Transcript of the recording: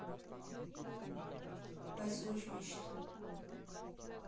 Բայց ոչ միշտ։